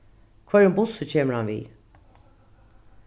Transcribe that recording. hvørjum bussi kemur hann við